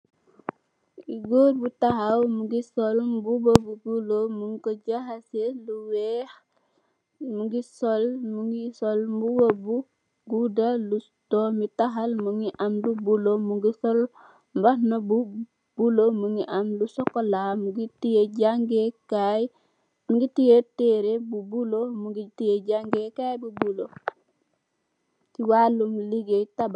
Gorre bu takhaw mungy sol mbuba bu bleu munkoh jahaseh ak wekh, mungy sol, mungy sol mbuba bu guda lu dormi taal, mungy am lu bleu, mungy sol mbahanah bu bleu, mungy am lu chocolat, mungy tiyeh jaangeh kaii, mungy tiyeh tehreh bu bleu, mungy tiyeh jaangeh kaii bu bleu, cii waaloum legaye tabakh.